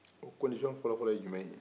o kondisiyon fɔlɔfɔlɔ ye jumɛn ye